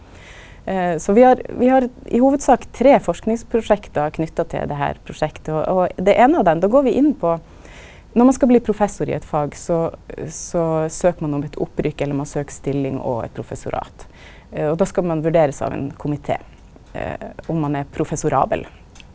så vi har vi har i hovudsak tre forskingsprosjekt knytt til det her prosjektet og og det eine av dei då går vi inn på når ein skal bli professor i eit fag så så søkar ein om eit opprykk, eller ein søker stilling og eit professorat, og då skal ein vurderast av ein komite om ein er professorabel.